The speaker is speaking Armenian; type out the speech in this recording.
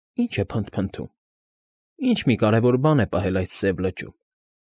Ի՞նչ է փնթփնթում։ Ի՞նչ մի կարևոր բան է պահել այդ սև լճում։